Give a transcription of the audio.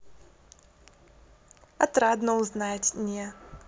отрадно узнать не